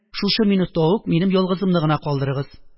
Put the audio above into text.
Шушы минутта ук минем ялгызымны гына калдырыгыз.